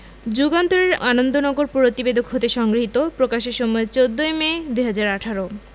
যুগান্তর এর আনন্দনগর প্রতিবেদক হতে সংগৃহীত প্রকাশের সময় ১৪ মে ২০১৮